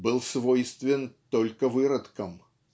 был свойствен только выродкам